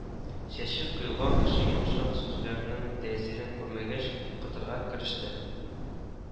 Чәче коелган кеше йомшак сүзләрнең тәэсирен күрмәгәч, куркытырга кереште